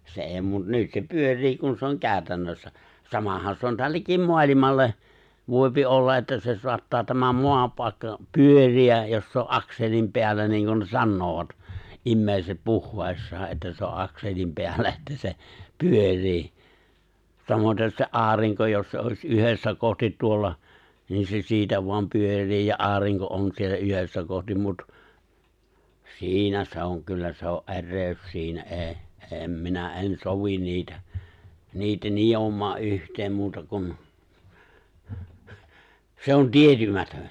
se ei mutta nyt ne pyörii kun se on käytännössä samahan se on tällekin maailmalle voi olla että se saattaa tämä maapaikka pyöriä jos se on akselin päällä niin kuin ne sanovat ihmiset puheessaan että se on akselin päällä että se pyörii samaten se aurinko jos se olisi yhdessä kohti tuolla niin se siitä vain pyörii ja aurinko on siellä yhdessä kohti mutta siinä se on kyllä se on erehdys siinä ei en minä en sovi niitä niitä nitomaan yhteen muuta kuin se on tietymätön